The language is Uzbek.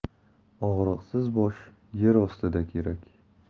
og'riqsiz bosh yer ostida kerak